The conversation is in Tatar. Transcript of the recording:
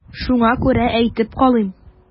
Шуңа күрә әйтеп калыйм.